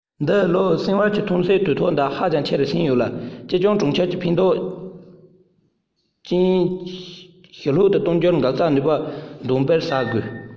འདི ལོའི སྲིང བལ གྱི ཐོན ཚད དུས ཐོག འདི ཧ ཅང ཆེ རུ ཕྱིན ཡོད ལ ཅིའུ ཅང གྲོང ཁྱེར གྱི ཐན སྐྱོན ཞི ལྷོད དུ གཏོང རྒྱུར འགག རྩའི ནུས པ འདོན སྤེལ བྱ དགོས